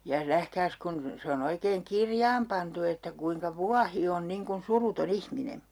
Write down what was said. ja nähkääs kun se on oikein kirjaan pantu että kuinka vuohi on niin kuin suruton ihminen